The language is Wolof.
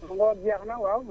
nawet jeex na waaw